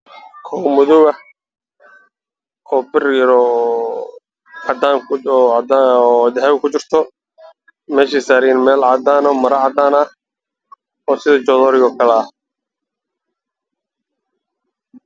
Waa kabo midabkoodii yihiin madow